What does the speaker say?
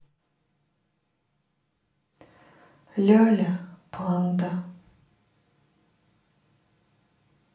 ляля панда